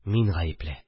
Мин гаепле